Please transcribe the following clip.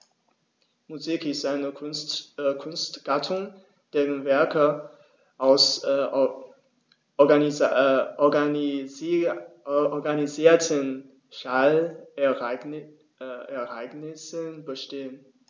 Musik ist eine Kunstgattung, deren Werke aus organisierten Schallereignissen bestehen.